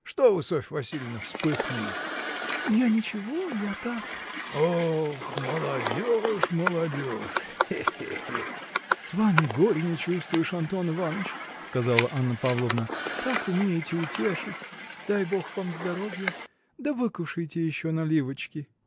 Что вы, Софья Васильевна, вспыхнули? – Я ничего. я так. – Ох, молодежь, молодежь! хе, хе, хе! – С вами горя не чувствуешь Антон Иваныч – сказала Анна Павловна – так умеете утешить дай бог вам здоровья! Да выкушайте еще наливочки.